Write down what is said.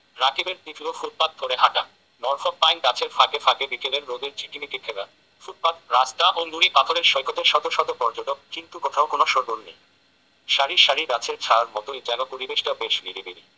রাকিবের দিঘল ফুটপাত ধরে হাঁটা নরফক পাইন গাছের ফাঁকে ফাঁকে বিকেলের রোদের ঝিকিমিকি খেলা ফুটপাত রাস্তা ও নুড়ি পাথরের সৈকতে শত শত পর্যটক কিন্তু কোথাও কোনো শোরগোল নেই সারি সারি গাছের ছায়ার মতোই যেন পরিবেশটা বেশ নিরিবিলি